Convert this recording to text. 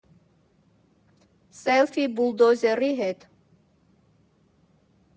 ՍԵԼՖԻ ԲՈՒԼԴՈԶԵՐԻ ՀԵՏ։